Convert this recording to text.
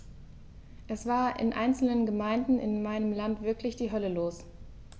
Es war in einzelnen Gemeinden in meinem Land wirklich die Hölle los.